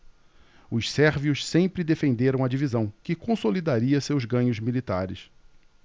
os sérvios sempre defenderam a divisão que consolidaria seus ganhos militares